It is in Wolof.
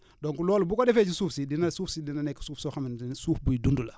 donc loolu bu ko defee ci suuf si dina suuf dina nekk suuf soo xamante ne suuf buy dund la